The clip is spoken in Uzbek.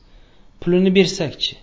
pulini bersak chi